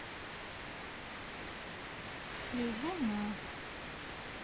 лежу на